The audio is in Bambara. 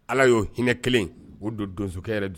Ala y'o hinɛ kelen in ko don donsokɛ yɛrɛ du